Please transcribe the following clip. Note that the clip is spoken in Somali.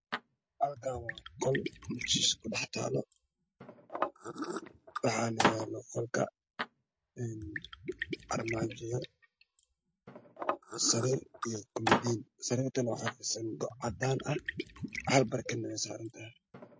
Meeshan waxaa iiga muuqda qol waxaa yaalo sariir cad armaajo yaalla ah